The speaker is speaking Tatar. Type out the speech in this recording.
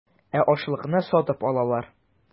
Ә ашлыкны сатып алалар.